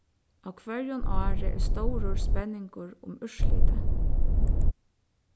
á hvørjum ári er stórur spenningur um úrslitið